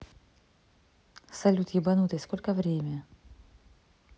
салют ебанутый сколько время